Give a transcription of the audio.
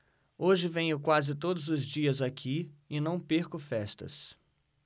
hoje venho quase todos os dias aqui e não perco festas